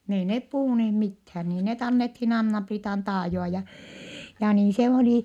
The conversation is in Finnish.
niin ei ne puhuneet mitään niin ne annettiin Anna-Priitan taajoa ja ja niin se oli